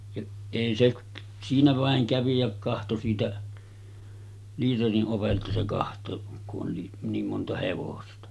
ja ei se - siinä vain kävi ja katsoi siitä liiterin ovelta se katsoi kun on niin niin monta hevosta